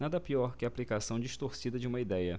nada pior que a aplicação distorcida de uma idéia